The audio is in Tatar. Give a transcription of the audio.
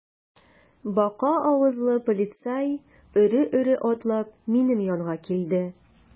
Бака авызлы полицай эре-эре атлап минем янга килде.